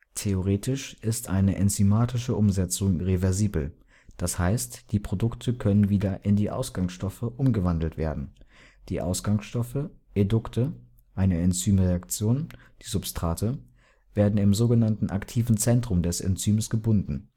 Theoretisch ist eine enzymatische Umsetzung reversibel, d. h. die Produkte können wieder in die Ausgangsstoffe umgewandelt werden. Die Ausgangsstoffe (Edukte) einer Enzymreaktion, die Substrate, werden im so genannten aktiven Zentrum des Enzyms gebunden